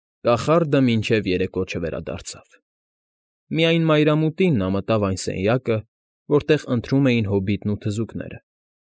Կախարդը մինչև երեկո չվերադարձավ։ Միայն մայրամուտին նա մտավ այն սենյակը, որտեղ ընթրում էին հոբիտն ու թզուկները։